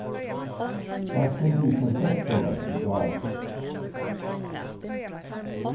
hann skuldi ikki havt gjørt soleiðis í gjár